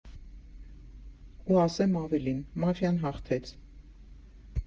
Ու ասեմ ավելին՝ մաֆիան հաղթեց։